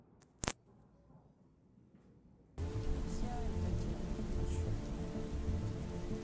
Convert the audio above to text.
нельзя это сделать ничего